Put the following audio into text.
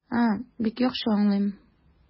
А, бик яхшы аңлыйм.